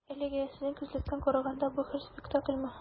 Тик әлегә, сезнең күзлектән караганда, бу хәл - спектакльмы?